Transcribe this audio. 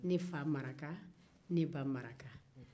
ne fa maraka ne ba maraka